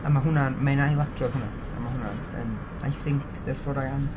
A ma' hwnna'n... mae'n ailadrodd hwnna a mae hwnna'n yn I think therefore I am